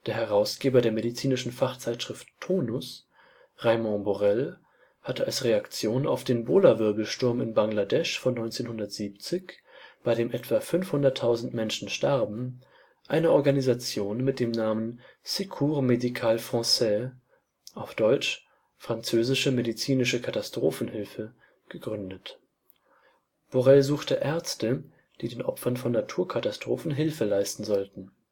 Herausgeber der medizinischen Fachzeitschrift TONUS, Raymond Borel, hatte als Reaktion auf den Bhola-Wirbelsturm in Bangladesch von 1970, bei dem etwa 500.000 Menschen starben, eine Organisation mit dem Namen Secours Médical Français (deutsch „ französische medizinische Katastrophenhilfe “) gegründet. Borel suchte Ärzte, die den Opfern von Naturkatastrophen Hilfe leisten sollten